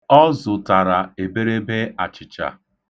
Ọ zụtara eberebe achịcha.